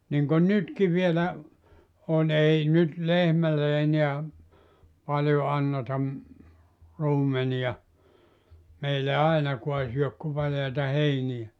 niin kuin nytkin vielä on ei nyt lehmälle enää paljon anneta - ruumenia meillä ainakaan syö kuin paljaita heiniä